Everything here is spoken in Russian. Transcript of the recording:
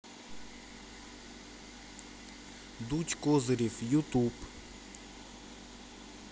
дудь козырев ютуб